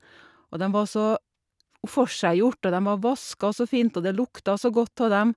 Og dem var så forseggjort og dem var vaska så fint og det lukta så godt tå dem.